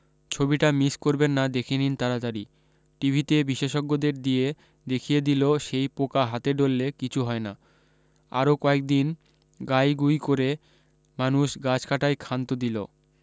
ছবিটা মিস করবেন না দেখে নিন তাড়াতাড়ি টিভিতে বিশেষজ্ঞদের দিয়ে দেখিয়ে দিলো সেই পোকা হাতে ডললে কিছু হয় না আরো কয়েকদিন গাইগুই করে মানুষ গাছকাটায় ক্ষান্ত দিলো